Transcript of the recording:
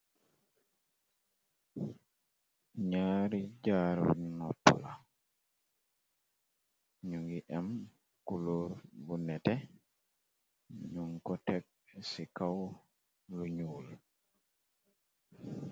Nyaari jaari noppula ñyu ngi am kulóor bu neteh nyung ko teg ci kaw lu ñuul.